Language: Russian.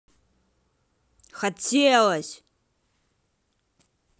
хотелось